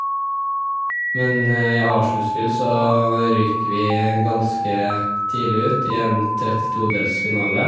Men i A-sluttspill så røyk vi ganske tidlig ut i en trettitodelsfinale.